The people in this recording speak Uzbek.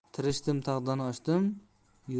tirishdim tog'dan oshdim